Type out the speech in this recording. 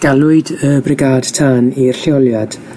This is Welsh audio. Galwyd y brigâd tân i'r lleoliad,